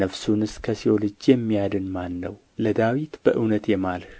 ነፍሱንስ ከሲኦል እጅ የሚያድን ማን ነው ለዳዊት በእውነት የማልህ